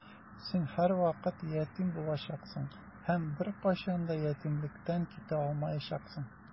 Син һәрвакыт ятим булачаксың һәм беркайчан да ятимлектән китә алмаячаксың.